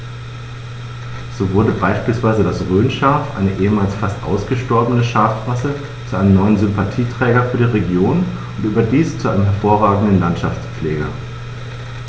So wurde beispielsweise das Rhönschaf, eine ehemals fast ausgestorbene Schafrasse, zu einem neuen Sympathieträger für die Region – und überdies zu einem hervorragenden Landschaftspfleger.